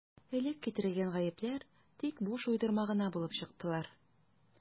Элек китерелгән «гаепләр» тик буш уйдырма гына булып чыктылар.